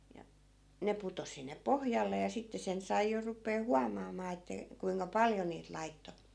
ja ne putosi sinne pohjalle ja sitten sen sai jo rupeaa huomaamaan että kuinka paljon niitä laittoi